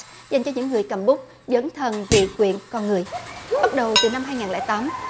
dành cho những người cầm bút dấn thân vì quyền con người bắt đầu từ năm hai ngàn lẻ tám